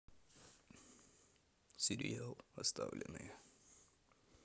сериал оставленные